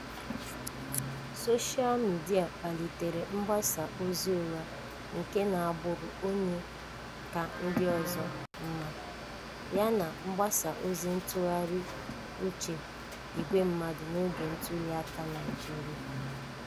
Soshaa midịa kpalitere mgbasa ozi ụgha nke na agbụrụ onye ka ndị ọzọ mma yana mgbasa ozi ntụgharị uche ìgwe mmadụ n'oge ntụliaka Naịjirịa